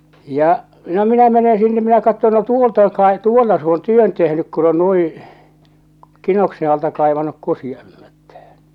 ja no minä menen sinne minä katson no tuolta on - tuolla se on työn tehnyt kun on niin kinoksen alta kaivanut kusiaismättään